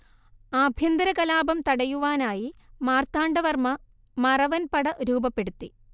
ആഭ്യന്തര കലാപം തടയുവാനായി മാർത്താണ്ഡ വർമ മറവൻ പട രൂപപ്പെടുത്തി